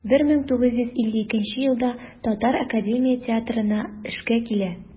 1952 елда татар академия театрына эшкә килә.